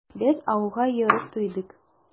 Без ауга йөреп туйдык.